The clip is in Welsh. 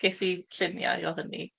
Ges i lluniau o hynny.